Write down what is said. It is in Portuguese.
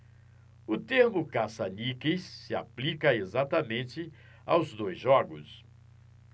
o termo caça-níqueis se aplica exatamente aos dois jogos